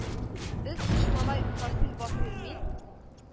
Без, өч малай Фарсил, Басыйр, мин